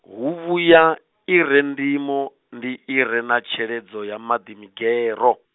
hu vhuya, i re ndimo, ndi i re na tsheledzo ya maḓi migero.